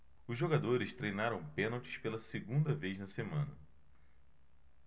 os jogadores treinaram pênaltis pela segunda vez na semana